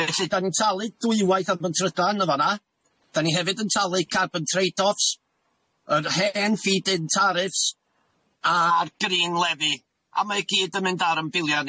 Felly 'dan ni'n talu dwywaith am yn trydan yn fan 'na, da ni hefyd yn talu carbon trade-offs, yr hen feed-in tariffs a'r Green Levy a ma' i gyd yn mynd ar yn bilia ni.